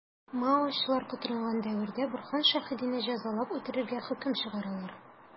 Маочылар котырынган дәвердә Борһан Шәһидине җәзалап үтерергә хөкем чыгаралар.